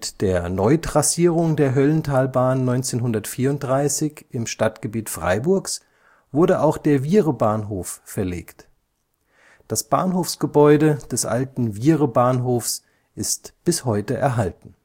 der Neutrassierung der Höllentalbahn 1934 im Stadtgebiet Freiburgs wurde auch der Wiehrebahnhof verlegt. Das Bahnhofsgebäude des alten Wiehrebahnhofs ist bis heute erhalten